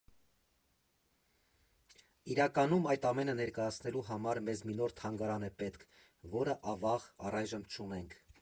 Իրականում, այդ ամենը ներկայացնելու համար մեզ մի նոր թանգարան է պետք, որը, ավաղ, առայժմ չունենք։